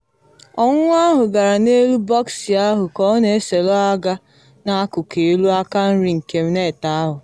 Ọnwụnwa ahụ gara n’elu bọksị ahụ ka ọ na eselụ aga n’akụkụ elu akanri nke net ahụ.